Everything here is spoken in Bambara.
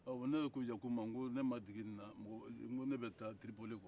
ne ko yaku ma ko ne ma dege nin na ko ne bɛ taa tiripoli kuwa